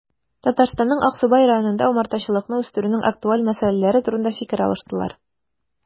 Татарстанның Аксубай районында умартачылыкны үстерүнең актуаль мәсьәләләре турында фикер алыштылар